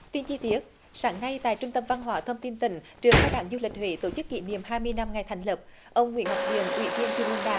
tin chi tiết sáng nay tại trung tâm văn hóa thông tin tỉnh trường cao đẳng du lịch huế tổ chức kỷ niệm hai mươi năm ngày thành lập ông nguyễn ngọc thiện ủy viên trung ương đảng